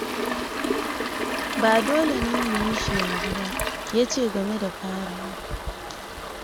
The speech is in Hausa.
"Ba dole ne mu yi shi yanzu ba," ya ce game da farawa.